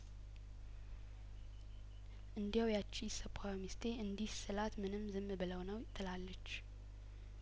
እንዲያው ያቺ ኢሰፓዋ ሚስቴ እንዲህ ስላትምንም ዝም ብለው ነው ትላልች